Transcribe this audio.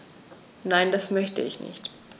Nein, das möchte ich nicht.